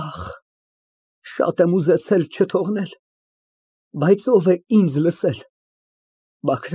Ախ, շատ եմ ուզեցել չթողնել, բայց ո՞վ է ինձ լսել։